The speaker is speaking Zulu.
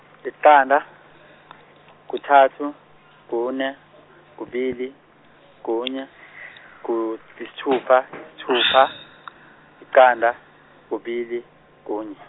liqanda kuthathu kune kubili kunye ku- yisithupha yisithupha yiqanda kubili kunye.